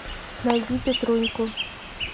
найди петруньку